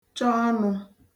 chọ ọnụ̄